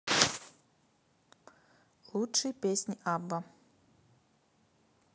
лучшие песни абба